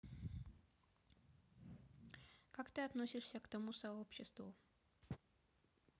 как ты относишься к тому сообществу